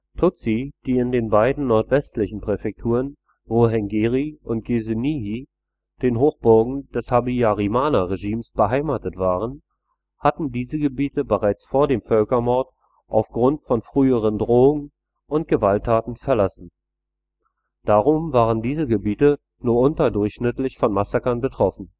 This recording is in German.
Tutsi, die in den beiden nordwestlichen Präfekturen Ruhengeri und Gisenyi – den Hochburgen des Habyarimana-Regimes – beheimatet waren, hatten diese Gebiete bereits vor dem Völkermord aufgrund von früheren Drohungen und Gewalttaten verlassen. Darum waren diese Gebiete nur unterdurchschnittlich von Massakern betroffen